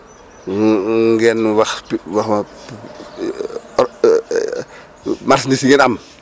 ngeen wax wax marchandises yi ngeen am